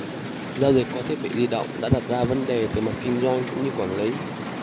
giao dịch qua thiết bị di động đã đặt ra vấn đề từ mặt kinh doanh cũng như quản lý